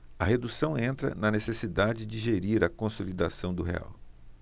a redução entra na necessidade de gerir a consolidação do real